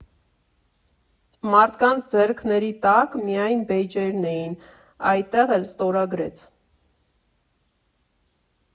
Մարդկանց ձեռքների տակ միայն բեյջերն էին, այդտեղ էլ ստորագրեց։